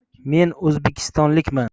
men o'zbekistonlikman